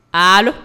Aalo